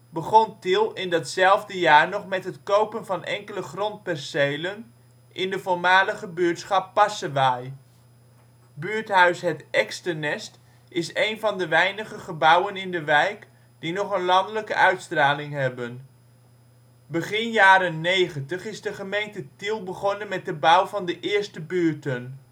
begon Tiel in datzelfde jaar nog met het kopen van enkele grondpercelen in de voormalige buurtschap Passewaaij. Buurthuis " Het Eksternest " is een van de weinige gebouwen in de wijk die nog een landelijke uitstraling hebben. Begin jaren negentig is de gemeente Tiel begonnen met de bouw van de eerste buurten